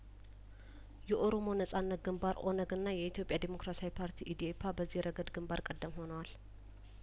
የኦሮሞ ነጻነት ግንባር ኦነግ እና የኢትዮጵያ ዴሞክራሲያዊ ፓርቲ ኢዴኤፓ በዚህ ረገድ ግንባር ቀደም ሆነዋል